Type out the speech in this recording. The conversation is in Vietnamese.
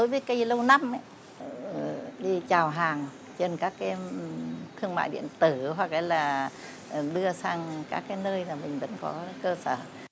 đối với cây lâu năm ấy ở chào hàng trên các cái thương mại điện tử hoặc ơ là bây giờ sang các cái nơi mình vẫn có cơ sở